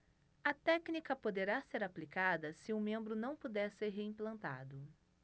a técnica poderá ser aplicada se o membro não puder ser reimplantado